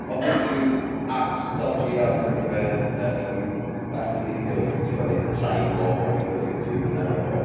Oedd gen ti ryw aps doji iawn ar gyfer yym bachu fideos YouTube, o neu sain o o fideos YouTube yn arfer bod.